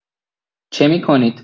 چه می‌کنید؟